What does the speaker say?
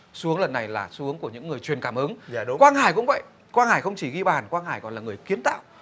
xuống lần này là xuống của những người truyền cảm ứng quang hải cũng vậy quang hải không chỉ ghi bàn quang hải còn là người kiến tạo